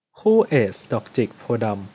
คู่เอซดอกจิกโพธิ์ดำ